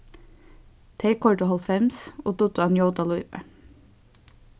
tey koyrdu hálvfems og dugdu at njóta lívið